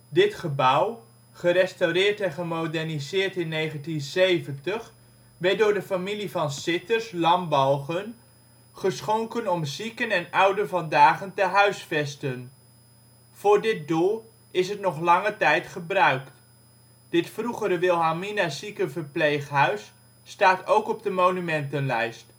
Dit gebouw, gerestaureerd en gemoderniseerd in 1970, werd door de familie Van Citters (Lambalgen) geschonken om zieken en ouden van dagen te huisvesten. Voor dit doel is het nog lange tijd gebruikt. Dit vroegere Wilhelmina Ziekenverpleeghuis staat ook op de monumentenlijst